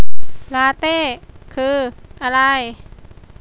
ลาเต้คืออะไร